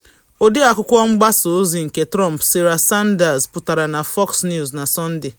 Ọdee Akwụkwọ mgbasa ozi nke Trump, Sarah Sanders, pụtara na Fox News na Sọnde.